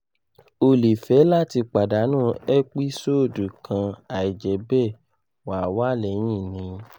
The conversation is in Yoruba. O le fẹ lati padanu ẹpisodu kan aijẹbẹ, wa wa lehin ni.